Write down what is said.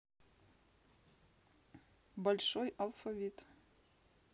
большой алфавит